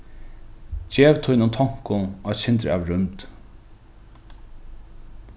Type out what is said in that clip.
gev tínum tonkum eitt sindur av rúmd